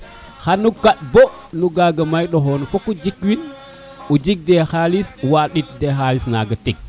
xano ka bo no gaga may ɗona xano jik win o je te xalis waɗit de xalis naga tig